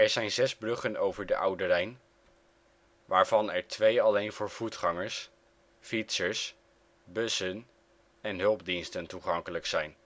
zijn zes bruggen over de Oude Rijn, waarvan er twee alleen voor voetgangers, fietsers, bussen (alleen Alphensebrug) en hulpdiensten toegankelijk zijn